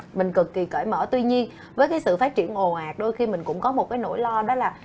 mình cự kì cởi mở tuy nhiên với cái sự phát triển ồ ạt đôi khi mình cũng có một cái nỗi lo đó là